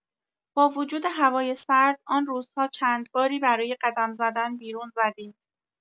با وجود هوای سرد آن روزها چند باری برای قدم زدن بیرون زدیم.